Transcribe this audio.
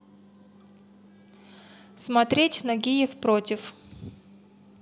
смотреть нагиев против